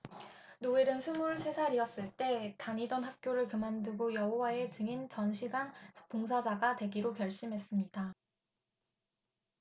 노엘은 스물세 살이었을 때 다니던 학교를 그만두고 여호와의 증인 전 시간 봉사자가 되기로 결심했습니다